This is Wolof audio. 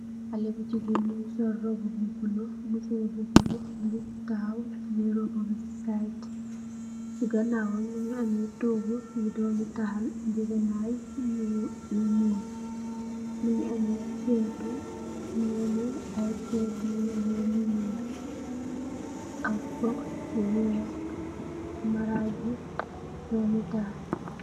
Xale bu jigeen mongi sol roba bu bulu musurr bu bulu mongi taxaw tieye roba bi si side ganawam mongi ame togu yu doomitaal ngegenay yu nuul mongi ame seetu mongi ame ay seetu yu ame lu nuul ak box bu weex marag bu domitaal.